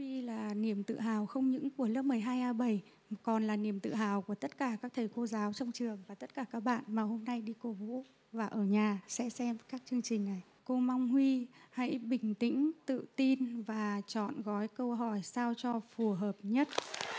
huy là niềm tự hào không những của lớp mười hai a bảy mà còn là niềm tự hào của tất cả các thầy cô giáo trong trường và tất cả các bạn mà hôm nay đi cổ vũ và ở nhà sẽ xem các chương trình này cô mong huy hãy bình tĩnh tự tin và chọn gói câu hỏi sao cho phù hợp nhất